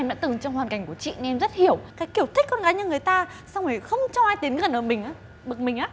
em đã từng trong hoàn cảnh của chị nên em rất hiểu cái kiểu thích con gái nhà người ta xong rồi không cho ai tiến gần vào mình á bực mình lắm